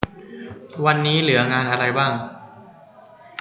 วันนี้เหลืองานอะไรบ้าง